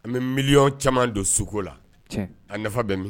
An bɛ miliyɔn caman don suko la a nafa bɛ